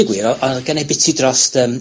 y gwir o' odd gennyf biti drost yym...